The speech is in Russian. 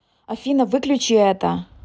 афина выключи это